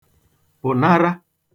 pụ̀nara